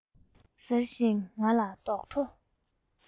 ཟེར བཞིན ང ལ རྡོག ཐོ